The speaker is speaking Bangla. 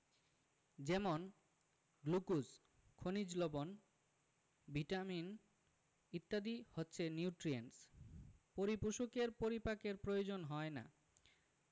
যেমন গ্লুকোজ খনিজ লবন ভিটামিন ইত্যাদি হচ্ছে নিউট্রিয়েন্টস পরিপোষকের পরিপাকের প্রয়োজন হয় না